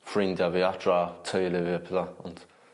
ffrindia fi atra teulu fi a petha ond